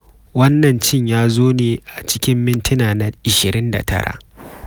Wannan cin ya zo ne a cikin mintina na 29.